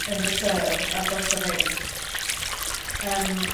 yn rheserf a do's 'a ddim. Yym.